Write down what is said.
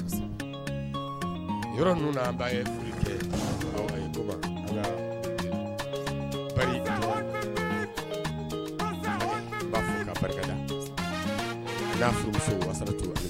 Yɔrɔ ninnu